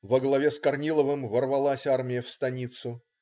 Во главе с Корниловым ворвалась армия в станицу.